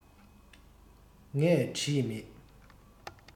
ངས བྲིས མེད